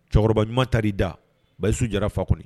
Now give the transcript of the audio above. Cɛkɔrɔba ɲuman ta di da basiyi su jara fa kɔni